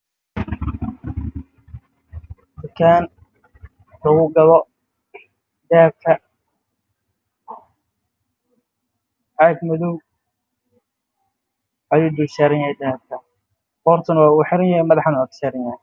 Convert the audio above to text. Waa boonbalo midabkiisu waa madow dahab ah